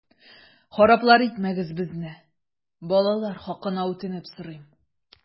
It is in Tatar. Хараплар итмәгез безне, балалар хакына үтенеп сорыйм!